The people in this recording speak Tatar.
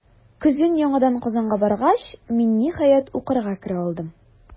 Көзен яңадан Казанга баргач, мин, ниһаять, укырга керә алдым.